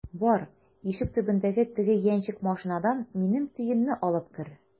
Бар, ишек төбендәге теге яньчек машинадан минем төенне алып кер!